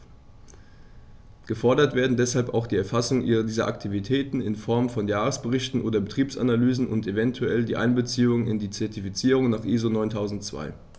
Gefordert werden deshalb auch die Erfassung dieser Aktivitäten in Form von Jahresberichten oder Betriebsanalysen und eventuell die Einbeziehung in die Zertifizierung nach ISO 9002.